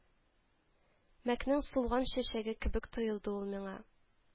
Мәкнең сулган чәчәге кебек тоелды ул миңа